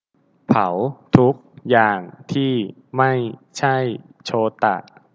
เผาทุกอย่างที่ไม่ใช่โชตะ